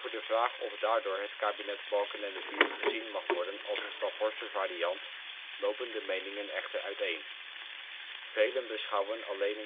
de vraag of daardoor het kabinet-Balkenende IV gezien mag worden als een " Staphorster variant " lopen de meningen echter uiteen. Velen beschouwen alleen